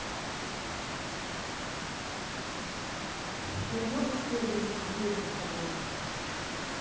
ты можешь перевести деньги куда нибудь